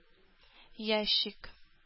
Ящик